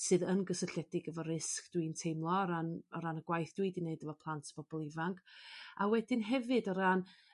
sydd yn gysylltiedig efo risg dwi'n teimlo o ran o ran y gwaith dwi di neud efo plant pobol ifanc a wedyn hefyd o ran